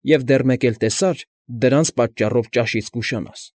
Եվ դեռ, մեկ էլ տեսար, դրանց պատճառով ճաշից կուշանաս։